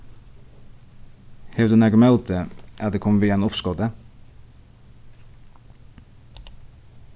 hevur tú nakað ímóti at eg komi við einum uppskoti